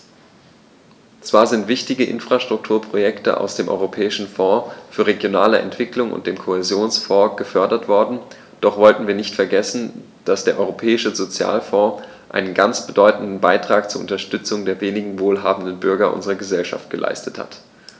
Zwar sind wichtige Infrastrukturprojekte aus dem Europäischen Fonds für regionale Entwicklung und dem Kohäsionsfonds gefördert worden, doch sollten wir nicht vergessen, dass der Europäische Sozialfonds einen ganz bedeutenden Beitrag zur Unterstützung der weniger wohlhabenden Bürger unserer Gesellschaft geleistet hat.